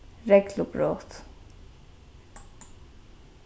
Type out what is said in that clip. reglubrot